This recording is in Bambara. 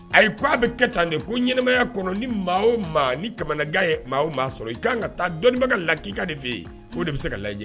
Ayi k' a bɛ kɛ tan de ko ɲɛnɛmaya kɔnɔ ni maa maa ni kamanakan ye maa maa sɔrɔ i ka kan ka taa dɔnniba ka lakika de fɛ yen' de bɛ se ka lajɛ